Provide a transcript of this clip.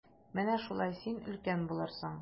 Менә шулай, син өлкән булырсың.